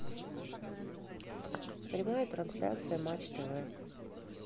прямая трансляция матч тв